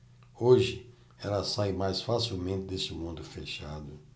hoje elas saem mais facilmente desse mundo fechado